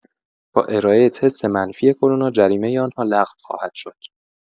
با ارائه تست منفی کرونا جریمه آن‌ها لغو خواهد شد.